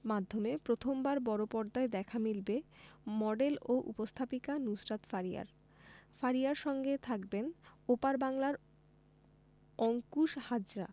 মাধ্যমে প্রথমবার বড়পর্দায় দেখা মিলবে মডেল ও উপস্থাপিকা নুসরাত ফারিয়ার ফারিয়ার সঙ্গে থাকবেন ওপার বাংলার অংকুশ হাজরা